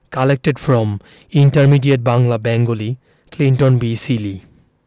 collected from intermediate Bangla Bengali Clinton B Seely